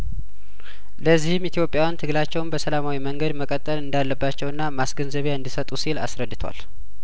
ለዚህም ኢትዮጵያዊያን ትግላቸውን በሰላማዊ መንገድ መቀጠል እንዳለባቸውና ማስገንዘቢ ያእንዲሰጡ ሲል አስረድቷል